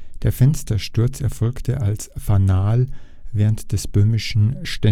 Der Fenstersturz erfolgte als Fanal während des Böhmischen Ständeaufstandes